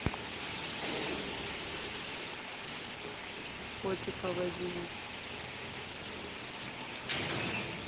котика возьму